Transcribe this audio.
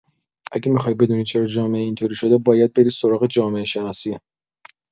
اگه می‌خوای بدونی چرا جامعه اینطوری شده، باید بری سراغ جامعه‌شناسی.